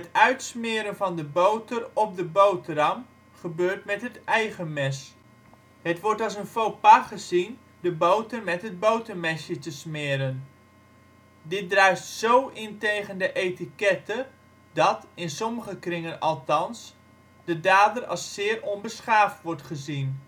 uitsmeren van de boter op de boterham gebeurt met het eigen mes. Het wordt als een faux pas gezien de boter met het botermesje te smeren. Dit druist zó in tegen de etiquette, dat (in sommige kringen althans) de dader als zeer onbeschaafd wordt gezien